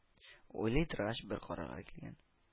Уйлый торгач, бер карарга килгән: